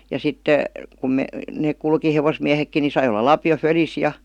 ja sitten - ne kulki hevosmiehetkin niin sai olla lapio fölissä ja